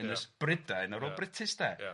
Ynys Brydain ar ôl Brutus 'de... Ia...